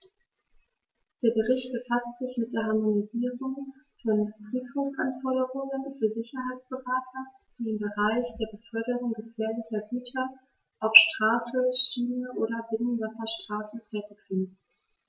Der Bericht befasst sich mit der Harmonisierung von Prüfungsanforderungen für Sicherheitsberater, die im Bereich der Beförderung gefährlicher Güter auf Straße, Schiene oder Binnenwasserstraße tätig sind.